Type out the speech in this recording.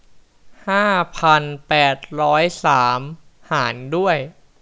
ห้าพันแปดร้อยสามหารด้วย